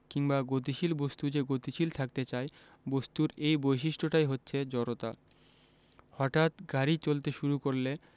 কিংবা গতিশীল বস্তু যে গতিশীল থাকতে চায় বস্তুর এই বৈশিষ্ট্যটাই হচ্ছে জড়তা হঠাৎ গাড়ি চলতে শুরু করলে